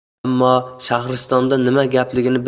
ammo shahristonda nima gapligini